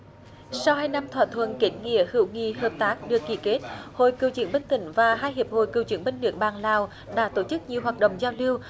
sau hai năm thỏa thuận kết nghĩa hữu nghị hợp tác được ký kết hội cựu chiến binh tỉnh và hai hiệp hội cựu chiến binh nước bạn lào đã tổ chức nhiều hoạt động giao lưu